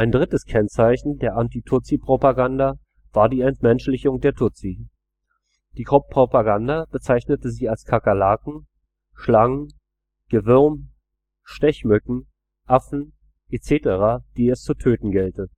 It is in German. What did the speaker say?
drittes Kennzeichen der Anti-Tutsi-Propaganda war die Entmenschlichung der Tutsi. Die Propaganda bezeichnete sie als Kakerlaken, Schlangen, Gewürm, Stechmücken, Affen etc., die es zu töten gelte